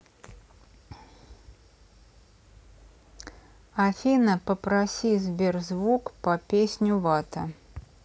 афина попроси сберзвук по песню вата